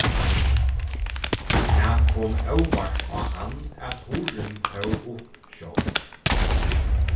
tað kom óvart á hann at hurðin fór upp sjálv